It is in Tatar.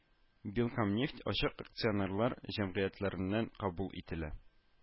Белкамнефть ачык акционерлар җәмгыятьләреннән кабул ителә